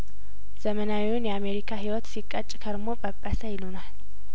ዘመናዊውን የአምሪካ ሂዎት ሲቀጭ ከርሞ ጰጰሰ ይሉናል